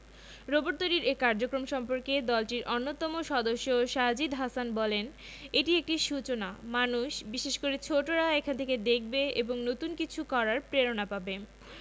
robot তৈরির এ কার্যক্রম সম্পর্কে দলটির অন্যতম সদস্য সাজিদ হাসান বললেন এটা একটা সূচনা মানুষ বিশেষ করে ছোটরা এখান থেকে দেখবে এবং নতুন কিছু করার প্রেরণা পাবে